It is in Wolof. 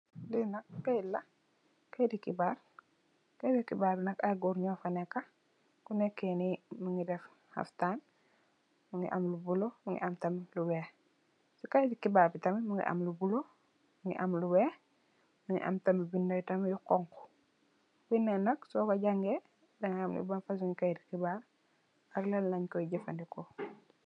Lii nak keit la, keiti khibarr, keiti khibarr bii nak aiiy gorre njur fa neka, kuneka nii mungy def khaftan, mungy am lu bleu, mungy am tamit lu wekh, cii keiti khibarr bii tamit mungy am lu bleu, mungy am lu wekh, mungy am tamit binda tamit yu honhu, binda yii nak sor kor jangeh danga ham lii ban fasoni keiti khibarr ak lan langh koi jeufandehkor.